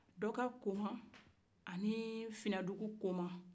dɔkakoma ani finadugukoma